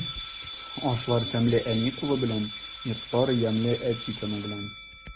Ашлар тәмле әни кулы белән, йортлар ямьле әти тыны белән.